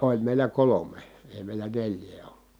oli meillä kolme ei meillä neljää ollut